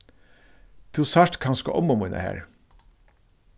tú sært kanska ommu mína har